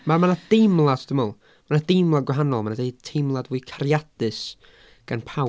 Ma' 'na deimlad dwi'n meddwl. Mae 'na deimlad gwahanol. Ma' 'na dde- teimlad mwy cariadus gan pawb.